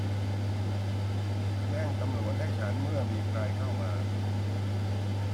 แจ้งตำรวจให้ฉันเมื่อมีใครเข้ามา